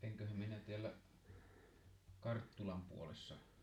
enköhän minä täällä Karttulan puolessa